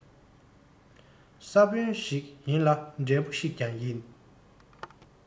ས བོན ཞིག ཡིན ལ འབྲས བུ ཞིག ཀྱང ཡིན